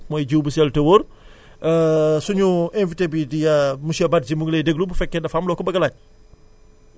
mooy jiw bu sell te wóor suñu invité bi di monsieur Badji mu ngi lay déglu bu fekkee dafa am loo ko bëgg a laaj